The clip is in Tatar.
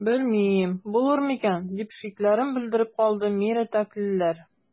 Белмим, булыр микән,– дип шикләрен белдереп калды мирәтәклеләр.